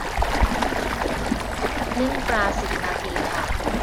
นึ่งปลาสิบนาทีค่ะ